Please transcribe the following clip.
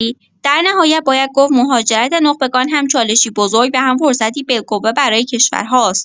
در نهایت باید گفت مهاجرت نخبگان هم چالشی بزرگ و هم فرصتی بالقوه برای کشورهاست.